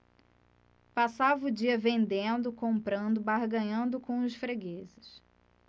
passava o dia vendendo comprando barganhando com os fregueses